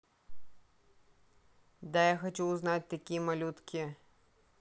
да я хочу узнать такие малютки